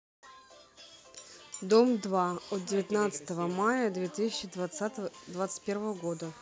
дом два от девятнадцатого мая две тысячи двадцать первого года